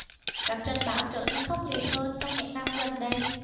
các trận bão trở nên khốc liệt hơn trong những năm gần đây